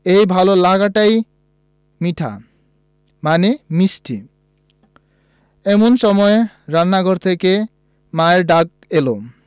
এই ভালো লাগাটাই মিঠা মানে মিষ্টি এমন সময় রান্নাঘর থেকে মায়ের ডাক এলো